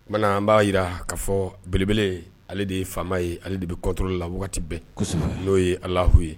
N an b'a jira'a fɔ belebele ale de ye faama ye ale de bɛ kɔtɔ la wagati bɛɛ ku n'o ye alahu ye